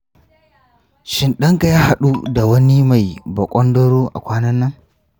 shin ɗanka ya haɗu da wani mai baƙondoro a kwanan nan?